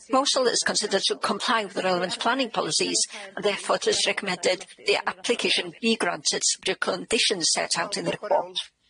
Most considered to comply with the relevant planning policies, and therefore it is recommend the application be granted, under conditions set out in the report.